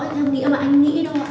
nghĩa mà anh nghĩ đâu ạ